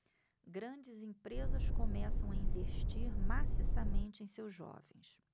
grandes empresas começam a investir maciçamente em seus jovens